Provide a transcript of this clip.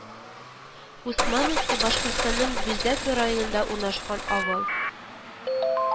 Усмановский Башкортстанның Бүздәк районында урнашкан авыл